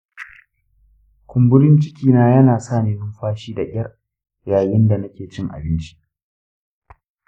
kumburin cikina yana sa ni numfashi da ƙyar yayin da nake cin abinci.